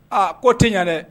Aa k'o tɛ yan dɛ